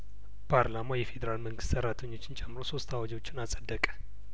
ፓርላማው የፌዴራል መንግስት ሰራተኞችን ጨምሮ ሶስት አዋጆችን አጸደቀ